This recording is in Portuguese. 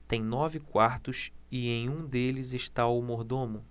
tem nove quartos e em um deles está o mordomo